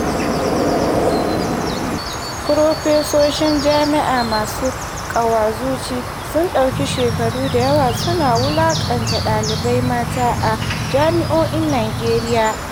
Farfesoshin jami'a masu ƙawazuci sun ɗauki shekaru da yawa su na wulaƙanta ɗalibai mata a jami'o'in Nijeriya.